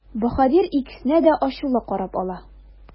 Баһадир икесенә дә ачулы карап ала.